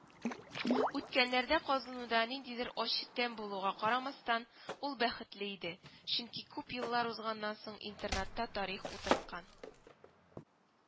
Үткәннәрдә казынуда ниндидер ачы тәм булуга карамастан, ул бәхетле иде, чөнки күп еллар узганнан соң интернатта тарих утырткан